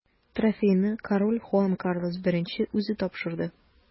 Трофейны король Хуан Карлос I үзе тапшырды.